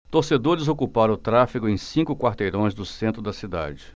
torcedores ocuparam o tráfego em cinco quarteirões do centro da cidade